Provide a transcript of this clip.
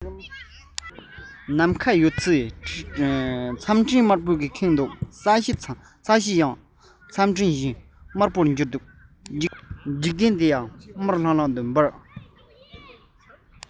ནམ མཁའ ཡོད ཚད མཚམས སྤྲིན དམར པོའི ཁེངས འདུག ས གཞི ཡང མཚམས སྤྲིན བཞིན དམར པོ གྱུར འདུག འཇིག རྟེན འདི དམར ལྷང ལྷང དུ འབར